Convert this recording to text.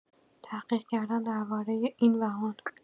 تحقیق کردن درباره این و آن